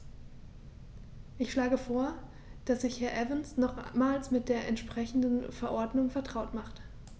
Ich schlage vor, dass sich Herr Evans nochmals mit der entsprechenden Verordnung vertraut macht.